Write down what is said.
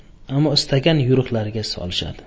ammo istagan yo'riqlariga solishadi